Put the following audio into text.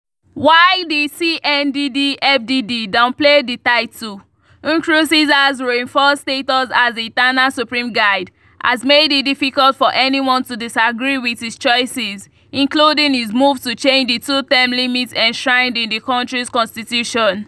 While the CNDD-FDD downplayed the title, Nkurunziza’s reinforced status as the "eternal supreme guide" has made it difficult for anyone to disagree with his choices, including his move to change the two-term limit enshrined in the country’s constitution.